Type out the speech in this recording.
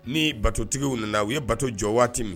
Ni batotigiw nana, u ye bato jɔ waati min